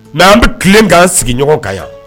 N an bɛ tilen k'an sigiɲɔgɔn kan yan